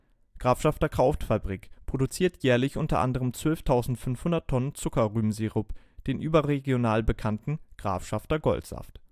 Grafschafter Krautfabrik produziert jährlich unter anderem 12.500 Tonnen Zuckerrübensirup, den überregional bekannten Grafschafter Goldsaft